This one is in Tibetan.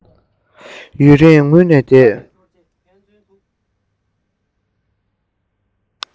ཡུན རིང ངུས ནས བསྡད